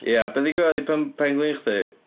Ia, be ddigwyddodd i pen- penglin chdi?